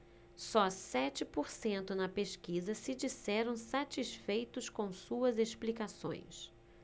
só sete por cento na pesquisa se disseram satisfeitos com suas explicações